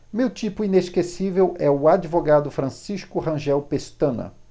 meu tipo inesquecível é o advogado francisco rangel pestana